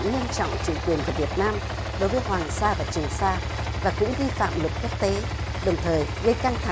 nghiêm trọng chủ quyền của việt nam đối với hoàng sa và trường sa và cũng vi phạm luật quốc tế đồng thời gây căng thẳng